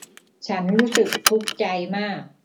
ฉันรู้สึกทุกข์ใจมาก